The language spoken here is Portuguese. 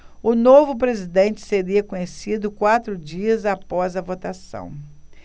o novo presidente seria conhecido quatro dias após a votação